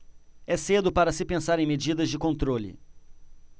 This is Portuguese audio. é cedo para se pensar em medidas de controle